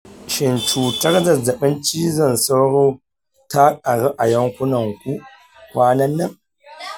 shin cutar zazzabin cizon sauro ta ƙaru a yankinku kwanan nan?